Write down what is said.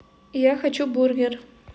я хочу бургер